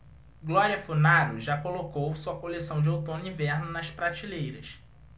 glória funaro já colocou sua coleção de outono-inverno nas prateleiras